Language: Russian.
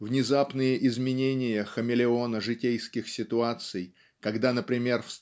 внезапные изменения хамелеона житейских ситуаций когда например